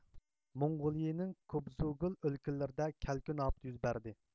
موڭغۇلىيىنىڭ كۇبسۇگۇل ئۆلكىلىرىدە كەلكۈن ئاپىتى يۈز بەردى